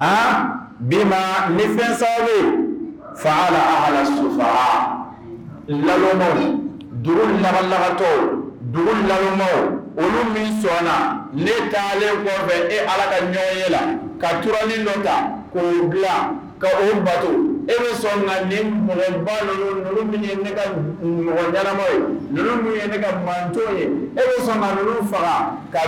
A bi ni fɛn saba fa ala sufa lama duuru maralakatɔ dugu lamɔma olu min sɔ ne taalen kɔfɛ e ala ka ɲɔgɔn ye la ka tin dɔn ka kobila ka o bato e sɔrɔ nka ŋ min ye ne ka ɲɔgɔnjama ye ninnu min ye ne kato ye e minnu faga ka